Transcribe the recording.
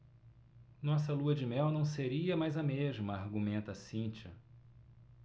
nossa lua-de-mel não seria mais a mesma argumenta cíntia